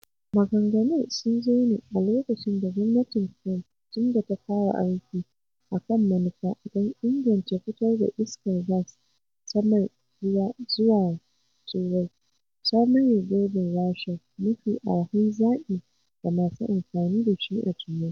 Maganganun sun zo ne a lokacin da gwamnatin Trump tun da ta fara aiki a kan manufa don inganta fitar da iskar gas ta mai ruwa zuwa Turai, ta maye gurbin Rasha, mafi arhan zaɓi ga masu amfani da shi a Turai.